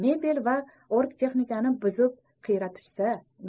mebel va orgtexnikani buzib qiyratishsa